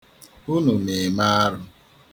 Unu na-eme arụ.